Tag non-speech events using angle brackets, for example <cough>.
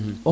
<hesitation> <hesitation>